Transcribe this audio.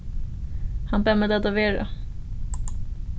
hann bað meg lata vera